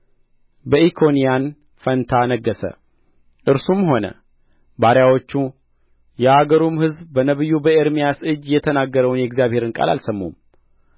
በኢኮንያን ፋንታ ነገሠ እርሱም ሆነ ባሪያዎቹ የአገሩም ሕዝብ በነቢዩ በኤርምያስ እጅ የተናገረውን የእግዚአብሔርን ቃል አልሰሙም